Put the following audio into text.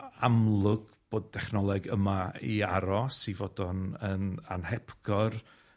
amlwg bod dechnoleg yma i aros, i fod o'n yn anhepgor